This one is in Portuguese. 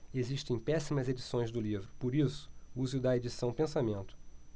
existem péssimas edições do livro por isso use o da edição pensamento